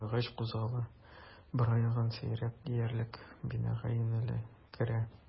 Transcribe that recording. Арыгач, кузгала, бер аягын сөйрәп диярлек бинага юнәлә, керә.